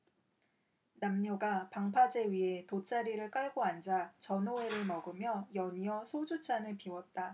남녀가 방파제 위에 돗자리를 깔고 앉아 전어회를 먹으며 연이어 소주잔을 비웠다